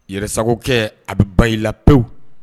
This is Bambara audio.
Yɛrɛsakɛ a bɛ ba i la pewu